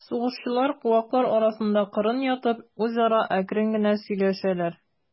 Сугышчылар, куаклар арасында кырын ятып, үзара әкрен генә сөйләшәләр.